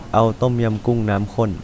เอาต้มยำกุ้งน้ำข้น